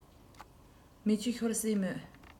མིག ཆུ ཤོར སྲིད མོད